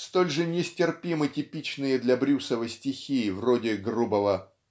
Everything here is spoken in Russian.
Столь же нестерпимы типичные для Брюсова стихи, в роде грубого